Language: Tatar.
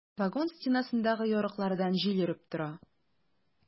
Вагон стенасындагы ярыклардан җил өреп тора.